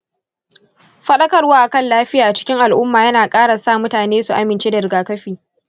fadakarwa akan lafiya a cikin al'umma yana ƙara sa mutane su amince da rigakafi.